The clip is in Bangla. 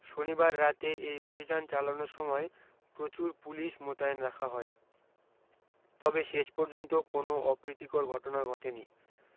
শনিবার রাতে এই অভি্যান চালানোর সময় প্রচুর পুলিশ মোতায়েন রাখা হয় তবে শেষ পর্যন্ত কোনও অপ্রীতিকর ঘটনা ঘটেনি